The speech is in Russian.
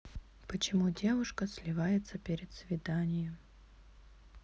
почему девушка сливается перед свиданием